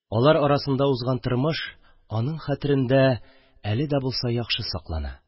Алар арасында узган тормыш аның хәтерендә әле дә булса яхшы саклана.